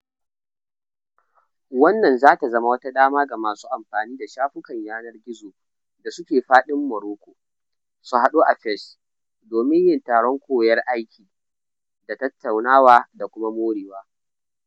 Wannan za ta zama wata dama ga masu amfani da shafukan yanar gizo da suke faɗin Morocco, su haɗu a Fez domin yin taron koyar aiki da tattaunawa da kuma morewa.